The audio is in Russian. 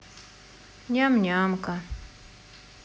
ням ням ка